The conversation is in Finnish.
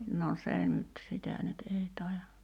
no se nyt sitä nyt ei taida